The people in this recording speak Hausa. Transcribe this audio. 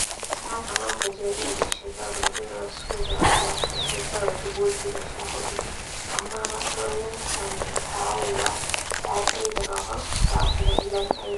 Ya kamata jirgin ya shiga Rundunar Sojan ruwa a shekarar 2014, amma matsalolin kamin kawowa ya tsaida rabon zakulalen aikin.